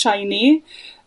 shiny.